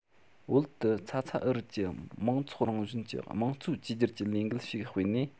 བོད དུ ཚ ཚ འུར འུར གྱི མང ཚོགས རང བཞིན གྱི དམངས གཙོའི བཅོས སྒྱུར གྱི ལས འགུལ ཞིག སྤེལ ནས